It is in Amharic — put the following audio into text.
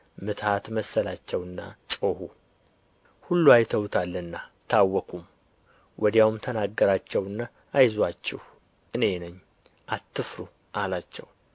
ምትሀት መሰላቸውና ጮኹ ሁሉ አይተውታልና ታወኩም ወዲያውም ተናገራቸውና አይዞአችሁ እኔ ነኝ አትፍሩ አላቸው